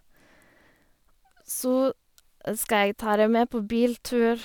Så skal jeg ta dem med på biltur.